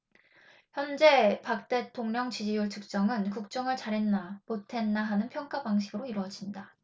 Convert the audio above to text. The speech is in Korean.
현재 박 대통령 지지율 측정은 국정을 잘했나 못했나 하는 평가 방식으로 이루어진다